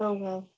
Wel, wel.